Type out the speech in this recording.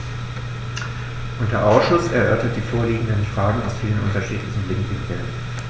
Unser Ausschuss erörtert die vorliegenden Fragen aus vielen unterschiedlichen Blickwinkeln.